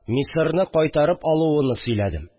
Мисырны кайтарып алуыны сөйләдем